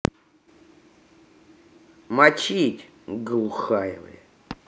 мочить глухая